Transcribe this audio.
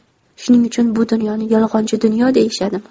shuning uchun bu dunyoni yolg'onchi dunyo deyishadimi